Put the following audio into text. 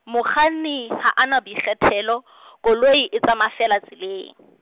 mokganni ha a na boikgethelo , koloi e tsamaya feela tseleng.